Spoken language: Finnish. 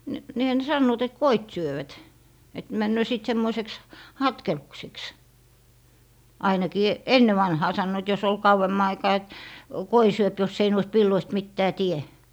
- niinhän ne sanovat että koit syövät että menee sitten semmoiseksi hatkelukseksi ainakin ennen vanhaan sanoivat jos oli kauemman aikaa että koi syö jos ei noista villoista mitään tee